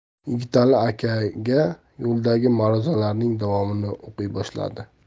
yigitali akaga yo'ldagi maruzalarining davomini o'qiy boshladi